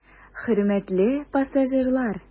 Хөрмәтле пассажирлар!